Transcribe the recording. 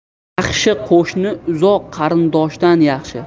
yaxshi qo'shni uzoq qarindoshdan yaxshi